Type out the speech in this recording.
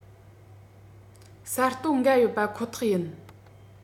གསར གཏོད འགའ ཡོད པ ཁོ ཐག ཡིན